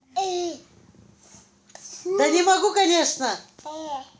да не могу конечно